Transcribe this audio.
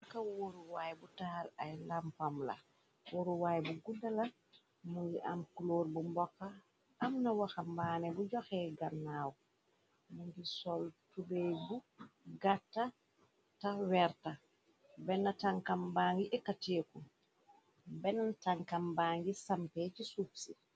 Kee waruwaay bu tahal ay lampam la waruwaay bu guddala mungi am kuloor bu mbokka amna waxambaane bu joxee gannaaw mu ngi sol tubeey bu gatta ta werta bene tankam baangi ekateeku benen tankam bangi sampe ci suuf se.